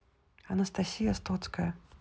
анастасия стоцкая